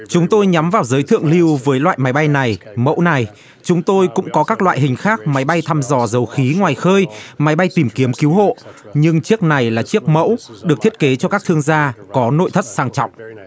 chúng tôi nhắm vào giới thượng lưu với loại máy bay này mẫu này chúng tôi cũng có các loại hình khác máy bay thăm dò dầu khí ngoài khơi máy bay tìm kiếm cứu hộ nhưng chiếc này là chiếc mẫu được thiết kế cho các thương gia có nội thất sang trọng